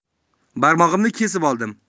barmog'imni kesib oldim